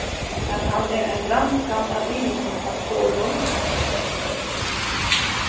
at hann er ein granskan av ymiskum faktorum